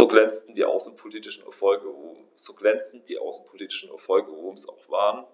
So glänzend die außenpolitischen Erfolge Roms auch waren: